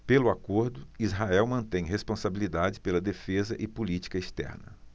pelo acordo israel mantém responsabilidade pela defesa e política externa